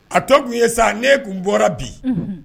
A tɔ kun ye sa ne tun bɔra bi